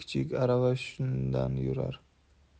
kichik arava shundan yurar